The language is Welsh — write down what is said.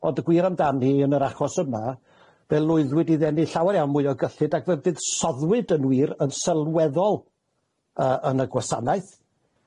ond y gwir amdani yn yr achos yma fe lwyddwyd i ddenu llawer iawn mwy o gyllid ag fe fuddsoddwyd yn wir yn sylweddol yy yn y gwasanaeth.